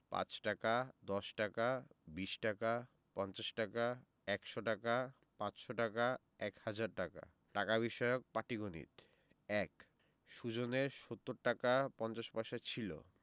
৫ টাকা ১০ টাকা ২০ টাকা ৫০ টাকা ১০০ টাকা ৫০০ টাকা ১০০০ টাকা টাকা বিষয়ক পাটিগনিতঃ ১ সুজনের ৭০ টাকা ৫০ পয়সা ছিল